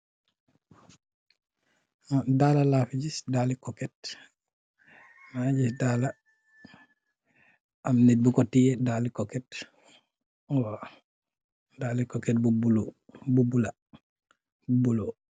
Dalla la fi ngis, dalli kóket, ma ngi gis dalla am nit bukkó teyeh dalli kóket bu bula.